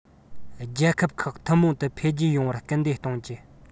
རྒྱལ ཁབ ཁག ཐུན མོང དུ འཕེལ རྒྱས ཡོང བར སྐུལ འདེད གཏོང རྒྱུ